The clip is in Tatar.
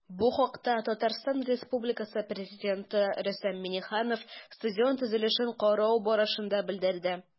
Бу хакта ТР Пррезиденты Рөстәм Миңнеханов стадион төзелешен карау барышында белдерде.